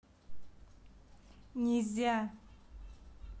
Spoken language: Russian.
низя